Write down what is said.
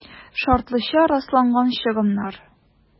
«шартлыча расланган чыгымнар»